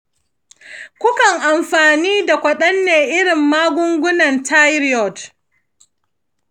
kun kan amfani da kwaɗanne irin magungunan thyroid?